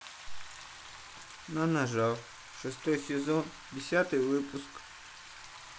на ножах шестой сезон десятый выпуск